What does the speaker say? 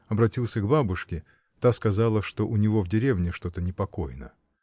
Обратился к бабушке, та сказала, что у него в деревне что-то непокойно.